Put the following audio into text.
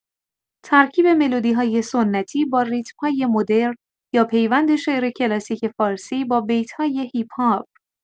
ترکیب ملودی‌های سنتی با ریتم‌های مدرن یا پیوند شعر کلاسیک فارسی با بیت‌های هیپ‌هاپ.